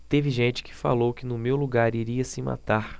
teve gente que falou que no meu lugar iria se matar